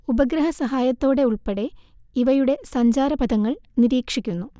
ഉപഗ്രഹസഹായത്തോടെ ഉൾപ്പെടെ ഇവയുടെ സഞ്ചാരപഥങ്ങൾ നിരീക്ഷിക്കുന്നു